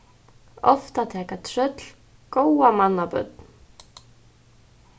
ofta taka trøll góða manna børn